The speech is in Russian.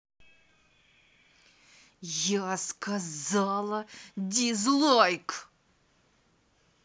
я сказала дизлайк